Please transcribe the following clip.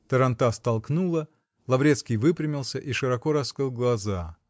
Тарантас толкнуло: Лаврецкий выпрямился и широко раскрыл глаза.